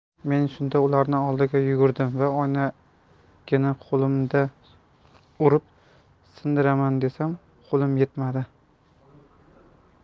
men shunda ularni oldiga yugurdim va oynagini qo'limda urib sindiraman desam qo'lim yetmadi